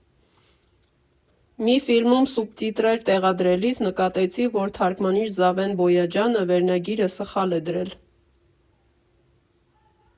Մի ֆիլմում սուբտիտրեր տեղադրելիս նկատեցի, որ թարգմանիչ Զավեն Բոյաջյանը վերնագիրը սխալ է դրել։